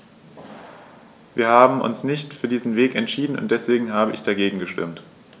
Wir haben uns nicht für diesen Weg entschieden, und deswegen habe ich dagegen gestimmt.